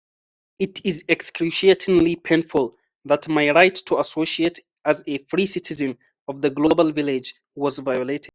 It is excruciatingly painful that my right to associate as a free citizen of the global village was violated.